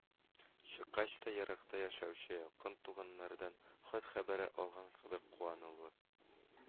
Чыккач та, еракта яшәүче якын туганнардан хат-хәбәр алган кебек, куанулы